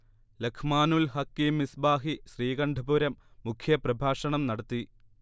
ലഖ്മാനുൽ ഹക്കീം മിസ്ബാഹി ശ്രീകണ്ഠപുരം മുഖ്യ പ്രഭാഷണം നടത്തി